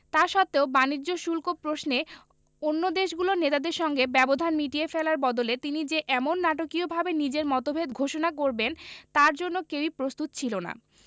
তা সত্ত্বেও বাণিজ্য শুল্ক প্রশ্নে অন্য দেশগুলোর নেতাদের সঙ্গে ব্যবধান মিটিয়ে ফেলার বদলে তিনি যে এমন নাটকীয়ভাবে নিজের মতভেদ ঘোষণা করবেন তার জন্য কেউই প্রস্তুত ছিল না